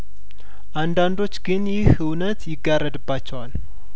አንዳንዶች ግን ይህ እውነት ይጋረድባቸዋል